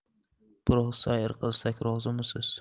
biroz sayr qilsak rozimisiz